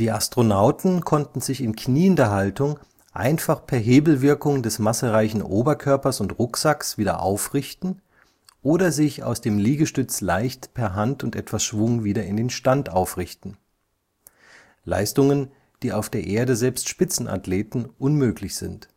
Astronauten konnten sich in kniender Haltung einfach per Hebelwirkung des massereichen Oberkörpers und Rucksacks wieder aufrichten oder sich aus dem Liegestütz leicht per Hand und etwas Schwung wieder in den Stand aufrichten – Leistungen, die auf der Erde selbst Spitzenathleten unmöglich sind